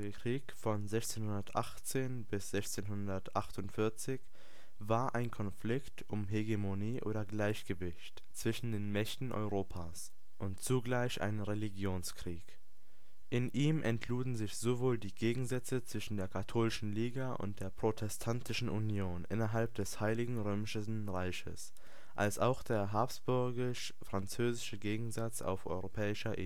Krieg von 1618 bis 1648 war ein Konflikt um Hegemonie oder Gleichgewicht zwischen den Mächten Europas und zugleich ein Religionskrieg. In ihm entluden sich sowohl die Gegensätze zwischen der Katholischen Liga und der Protestantischen Union innerhalb des Heiligen Römischen Reiches als auch der habsburgisch-französische Gegensatz auf europäischer